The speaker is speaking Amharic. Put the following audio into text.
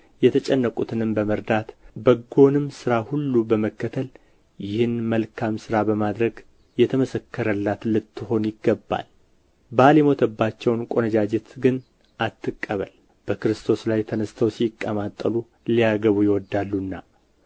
የተጨነቁትንም በመርዳት በጎንም ሥራ ሁሉ በመከተል ይህን መልካም ሥራ በማድረግ የተመሰከረላት ልትሆን ይገባል ባል የሞተባቸውን ቆነጃጅት ግን አትቀበል በክርስቶስ ላይ ተነሥተው ሲቀማጠሉ ሊያገቡ ይወዳሉና